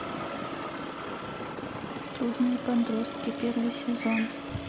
трудные подростки первый сезон